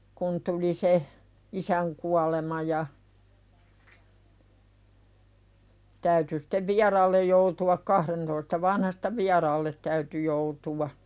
kun tuli se isän kuolema ja täytyi sitten vieraalle joutua kahdentoista vanhasta vieraalle täytyi joutua